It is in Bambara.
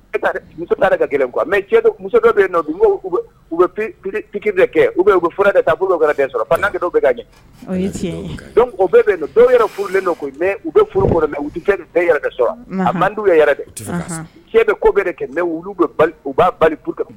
Muso taara ka gɛlɛn kuwa mɛ muso dɔ bɛ yen nɔ u bɛ pki kɛ u bɛ u bɛ ta bolo kɛke dɔw bɛ ka ɲɛ dɔw yɛrɛ furulen nɔ mɛ u bɛ furu kɔnɔmɛ u tɛ kɛ bɛɛ yɛrɛɛrɛ sɔrɔ a mandi yɛrɛ yɛrɛ dɛ cɛ bɛ koɛɛrɛ kɛ mɛ u b'a bali